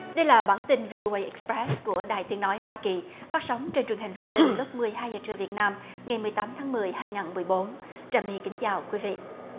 đây là bản tin vi ô ây ích roét của đài tiếng nói hoa kỳ phát sóng trên truyền hình vệ tinh lúc mười hai giờ trưa việt nam ngày mười tám tháng mười hai ngàn mười bốn trà my kính chào quý vị